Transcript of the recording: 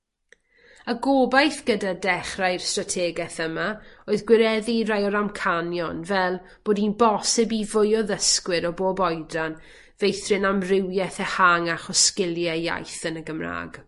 Y gobaith gyda dechrau'r strategeth yma oedd gwireddu rai o'r amcanion fel bod 'i'n bosib i fwy o ddysgwyr o bob oedran feithrin amrywieth ehangach o sgilie iaith yn y Gymraeg.